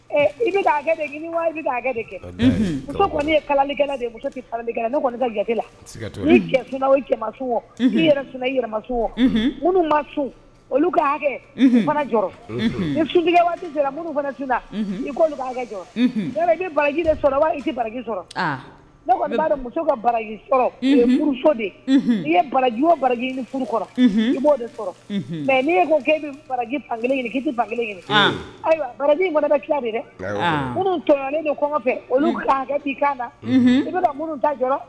I bɛ kɛ n kɔni nelikɛlali ne kɔni ja ma su olu ka hakɛ ni sunjatatigi waati i jɔ baraji sɔrɔ wa i tɛ baraki sɔrɔ ne kɔni muso ka baraji sɔrɔ so de i ye baraji baraji furu kɔrɔ io de sɔrɔ mɛ n'i ko baraji kelen i tɛ ban kelen ayiwa bara bɛ tila de dɛ minnu tɔ kɔn kɔfɛ olu kan na i muru da jɔ